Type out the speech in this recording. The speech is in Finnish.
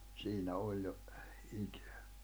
siinä oli jo ikää